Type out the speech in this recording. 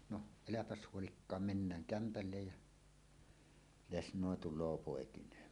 no eipä huoli mennään kämpälle ja lesnoi tulee poikineen